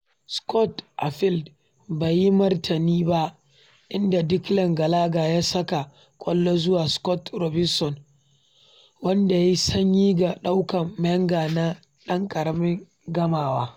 Scott Arfield bai yi martani ba inda Declan Gallagher ya sa ƙwallon zuwa ga Scott Robinson, wanda ya yi sanyi ga ɗaukan Menga na ɗan ƙaramin gamawa.